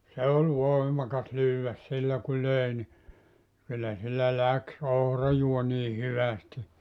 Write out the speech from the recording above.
se oli voimakas lyödä sillä kun löi niin kyllä sillä lähti ohrajuonikin hyvästi